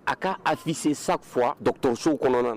A ka a fise sa fɔ dɔ dɔgɔtɔrɔonsow kɔnɔna